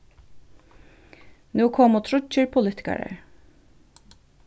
nú komu tríggir politikarar